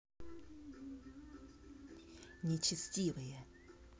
нечестивые